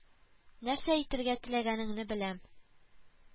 Нәрсә әйтергә теләгәнеңне беләм